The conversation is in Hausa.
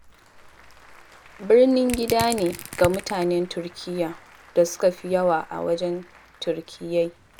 Birnin gida ne ga mutanen Turkiyya da suka fi yawa a wajen Turkiyyar.